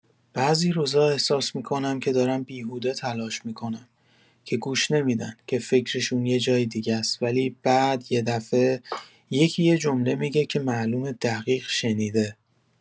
بعضی روزا احساس می‌کنم که دارم بیهوده تلاش می‌کنم، که گوش نمی‌دن، که فکرشون یه جای دیگه‌س، ولی بعد یه دفعه، یکی یه جمله می‌گه که معلومه دقیق شنیده.